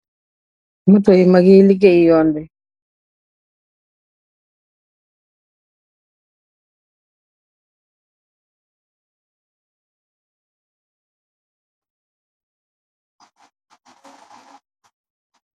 Moto yu maag yi leegay yoon bi.